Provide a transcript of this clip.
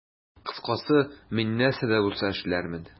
Кыскасы, мин нәрсә дә булса эшләрмен.